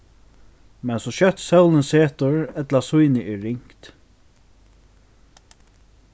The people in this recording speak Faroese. men so skjótt sólin setur ella sýnið er ringt